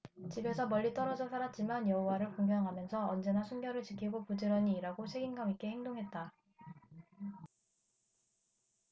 집에서 멀리 떨어져 살았지만 여호와를 공경하면서 언제나 순결을 지키고 부지런히 일하고 책임감 있게 행동했다